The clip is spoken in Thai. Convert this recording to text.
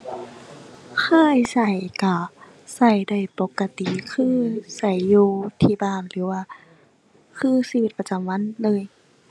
เคยใช้ใช้ใช้ได้ปกติ คือใช้อยู่ที่บ้าน หรือว่าคือชีวิตประจำวันเลย